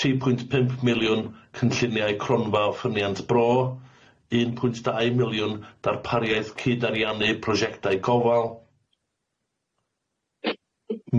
tri pwynt pump miliwn cynlluniau cronfa offyniant bro, un pwynt dau miliwn darpariaeth cydarianu prosiectau gofal,